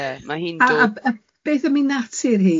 So yeah, ma' hi'n dob- A a b-. Beth am i natur hi?